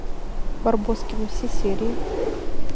барбоскины все серии